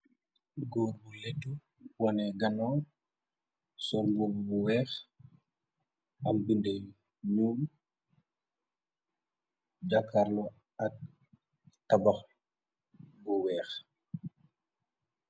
Góor bu leetu wone ganoo sol mbuba bu weex, am binde nuul, jàakarlu ak tabax bu weex.